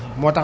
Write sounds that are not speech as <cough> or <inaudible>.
<hesitation> <hesitation>